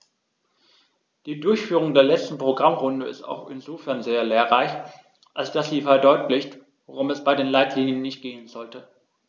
Die Durchführung der letzten Programmrunde ist auch insofern sehr lehrreich, als dass sie verdeutlicht, worum es bei den Leitlinien nicht gehen sollte.